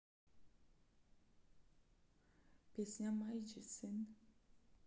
песня miyagi сын